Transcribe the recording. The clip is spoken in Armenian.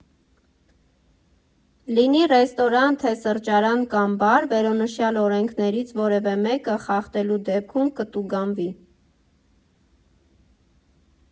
Լինի ռեստորան, թե սրճարան կամ բար, վերոնշյալ օրենքներից որևէ մեկը խախտելու դեպքում կտուգանվի։